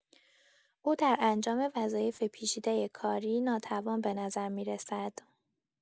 او در انجام وظایف پیچیدۀ کاری ناتوان به نظر می‌رسد.